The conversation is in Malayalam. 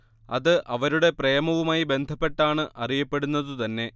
അത് അവരുടെ പ്രേമവുമായി ബന്ധപ്പെട്ടാണ് അറിയപ്പെടുന്നതു തന്നെ